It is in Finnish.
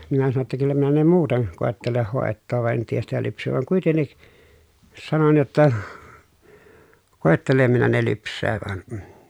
minä sanoin jotta kyllä minä ne muuten koettelen hoitaa vaan en tiedä sitä - vaan kuitenkin sanoin jotta koettelen minä ne lypsää vaan